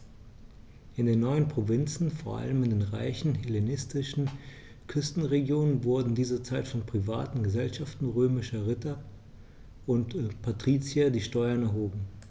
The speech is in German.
In den neuen Provinzen, vor allem in den reichen hellenistischen Küstenregionen, wurden in dieser Zeit von privaten „Gesellschaften“ römischer Ritter und Patrizier die Steuern erhoben.